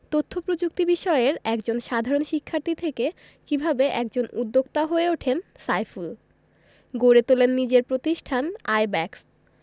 তথ্যপ্রযুক্তি বিষয়ের একজন সাধারণ শিক্ষার্থী থেকে কীভাবে একজন উদ্যোক্তা হয়ে ওঠেন সাইফুল গড়ে তোলেন নিজের প্রতিষ্ঠান আইব্যাকস